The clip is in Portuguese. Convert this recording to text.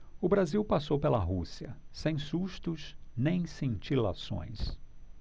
o brasil passou pela rússia sem sustos nem cintilações